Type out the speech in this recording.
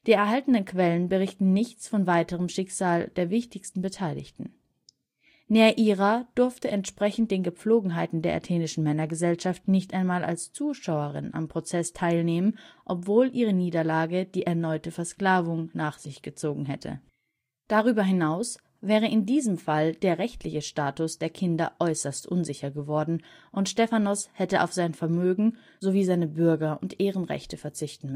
erhaltenen Quellen berichten nichts vom weiteren Schicksal der wichtigsten Beteiligten. Neaira durfte, entsprechend den Gepflogenheiten der athenischen Männergesellschaft, nicht einmal als Zuschauerin am Prozess teilnehmen, obwohl ihre Niederlage die erneute Versklavung nach sich gezogen hätte. Darüber hinaus wäre in diesem Fall der rechtliche Status der Kinder äußerst unsicher geworden, und Stephanos hätte auf sein Vermögen sowie seine Bürger - und Ehrenrechte verzichten